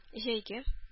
Җәйге